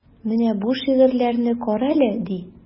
Менә бу шигырьләрне карале, ди.